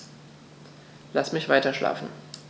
Lass mich weiterschlafen.